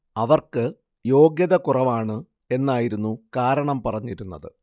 അവർക്ക് യോഗ്യത കുറവാണ് എന്നായിരുന്നു കാരണം പറഞ്ഞിരുന്നത്